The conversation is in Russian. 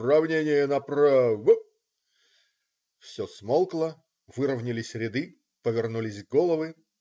равнение направо!" Все смолкло, выравнялись ряды, повернулись головы.